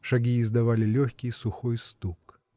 Шаги издавали легкий, сухой стук.